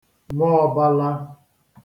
nwaọbala